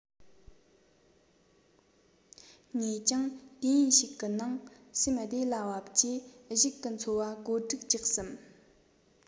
ངས ཀྱང དུས ཡུན ཞིག གི ནང སེམས བདེ ལ བབ རྗེས གཞུག གི འཚོ བ བཀོད སྒྲིག རྒྱག བསམ